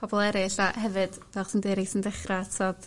pobol eryll a hefyd fel ti'n deu rei sy'n dechra a t'od